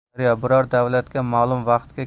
daryo biror davlatga ma'lum vaqtga